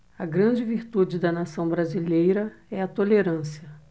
a grande virtude da nação brasileira é a tolerância